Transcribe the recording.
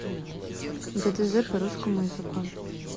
гдз по русскому языку